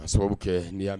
A sababu bɛ kɛ ni